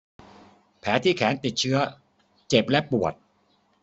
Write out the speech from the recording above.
แผลที่แขนติดเชื้อเจ็บและปวด